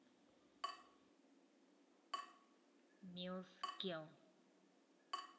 милс кел